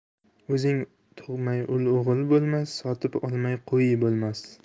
o'zing tug'may ul o'g'il bo'lmas sotib olmay qui bo'lmas